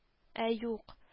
Ә юк